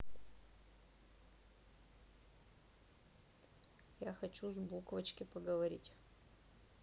я хочу с буквочке поговорить